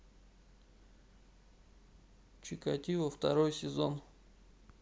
чикатило второй сезон